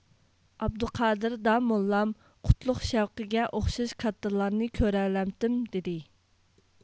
ئابدۇقادىر داموللام قۇتلۇق شەۋقىگە ئوخشاش كاتتىلارنى كۆرەلەمتىم دېدى